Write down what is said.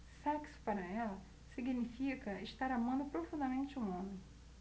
sexo para ela significa estar amando profundamente um homem